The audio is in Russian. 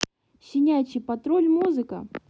щенячий патруль музыка